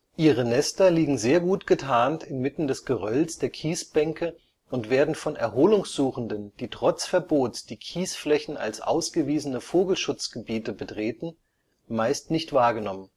Ihre Nester liegen sehr gut getarnt inmitten des Gerölls der Kiesbänke und werden von Erholungssuchenden, die trotz Verbots die Kiesflächen (ausgewiesene Vogelschutzgebiete) betreten, meist nicht wahrgenommen